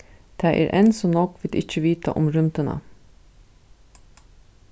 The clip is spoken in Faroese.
tað er enn so nógv vit ikki vita um rúmdina